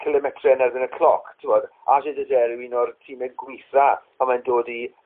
cilometr yn erbyn y cloc timod Aa Jei deus Err yw un o'r time gwitha pan mae'n dod i